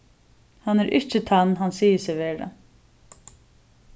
hann er ikki tann hann sigur seg vera